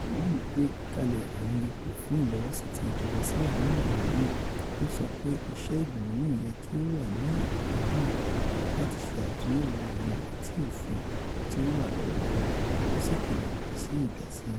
Moualem gbekalẹ awọn ipo fun ilọwọsi ti ijọba Siria nínú igbimọ naa, o sọ pe iṣẹ igbimọ naa yẹ ki o wa ni idiwọn "lati ṣe atunyẹwo awọn iwe ti ofin ti o wa lọwọlọwọ," o si kilo lodi si idasi.